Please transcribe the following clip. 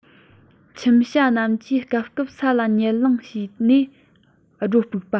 ཁྱིམ བྱ རྣམས ཀྱིས སྐབས སྐབས ས ལ ཉལ ལང བྱས ནས སྒྲོ སྤྲུག པ